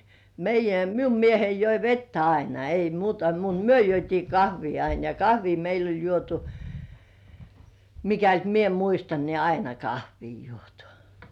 meidän minun mieheni joi vettä aina ei muuta mutta me juotiin kahvia aina ja kahvia meillä oli juotu mikäli minä muistan niin aina kahvia juotu